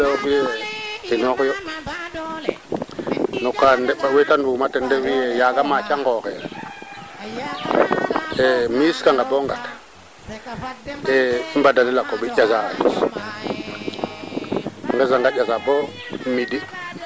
mbendit maak we mbend toogu yo a jega wee mband togina a ngodaa xa loqa qumbu a loka den bada ngumb de nguma den sokoy naaga mbi'u ndaa yoq we faapes moom a waag a pindit